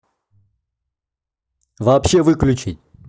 вообще выключить